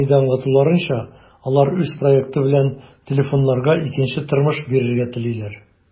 Компаниядә аңлатуларынча, алар үз проекты белән телефоннарга икенче тормыш бирергә телиләр.